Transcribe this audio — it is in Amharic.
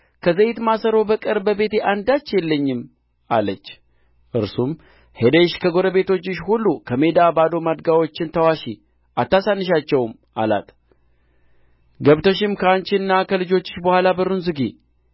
ባለ ዕዳ ልጆቼን ባሪያዎች አድርጎ ሊወስዳቸው መጥቶአል ብላ ወደ ኤልሳዕ ጮኸች ኤልሳዕም አደርግልሽ ዘንድ ምን ትሻለሽ በቤትሽ ያለውን ንገሪኝ አላት እርስዋም ለእኔ ለባሪያህ